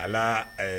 Ala